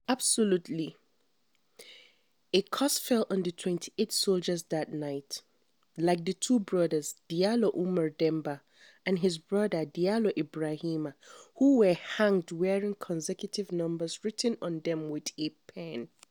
Absolutely, a curse fell on the 28 soldiers that night. Like the two brothers, Diallo Oumar Demba and his brother Diallo Ibrahima, who were hanged wearing consecutive numbers written on them with a pen.